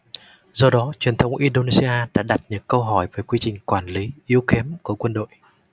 do đó truyền thông indonesia đã đặt những câu hỏi về quy trình quản lý yếu kém của quân đội